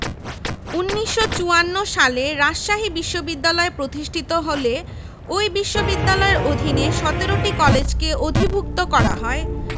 BL PhD এবং DSc ১৯৪৭ সালে ভারত বিভাগের ফলে ঢাকা বিশ্ববিদ্যালয়ে নতুন নতুন কোর্স প্রণয়ন বিভাগ সৃষ্টি ও অনুষদ প্রতিষ্ঠার ফলে